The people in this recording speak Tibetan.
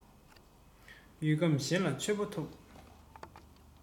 ཡུལ ཁམས གཞན ན མཆོད པ ཐོབ